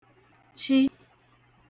chi